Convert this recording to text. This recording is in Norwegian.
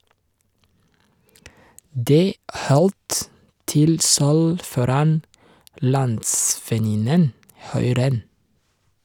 Det holdt til sølv foran landsvenninnen Hui Ren.